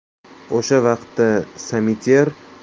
o'sha vaqtda samityer barselona